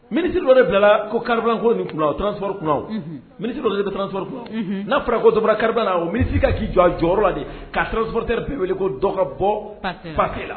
Minisiri dɔ bilala ko kariko ni o t kun mini dɔ bɛ kuma n'a fɔra koto karila o mini ka'i jɔ jɔyɔrɔ de ka sumaworooro bi wele ko dɔgɔbɔ pa fafɛ la